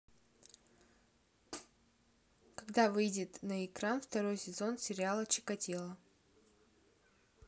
когда выйдет на экран второй сезон сериала чикатило